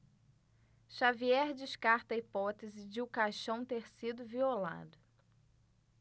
xavier descarta a hipótese de o caixão ter sido violado